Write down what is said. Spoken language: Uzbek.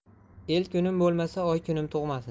el kunim bo'lmasa oy kunim tug'masin